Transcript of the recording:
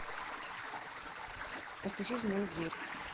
постучись в мою дверь